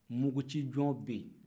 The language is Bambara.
muguci jɔn bɛ yen